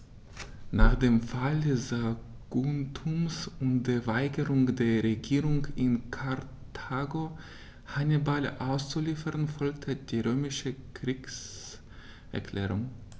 Nach dem Fall Saguntums und der Weigerung der Regierung in Karthago, Hannibal auszuliefern, folgte die römische Kriegserklärung.